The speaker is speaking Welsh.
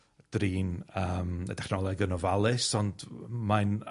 drin yym y dechnoleg yn ofalus, ond mae'n a-